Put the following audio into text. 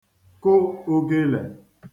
kụ ogelè